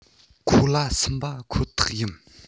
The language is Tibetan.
ཁོ ལ སུན པ ཁོ ཐག ཡིན